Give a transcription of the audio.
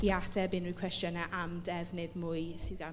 i ateb unrhyw cwestiynau am defnydd mwy sydd gan...